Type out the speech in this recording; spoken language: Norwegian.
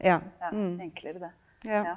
ja ja ja.